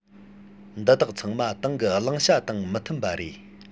འདི དག ཚང མ ཏང གི བླང བྱ དང མི མཐུན པ རེད